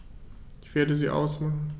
Ich werde sie ausmachen.